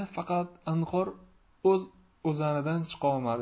faqat anhor o'z o'zanidan chiqolmadi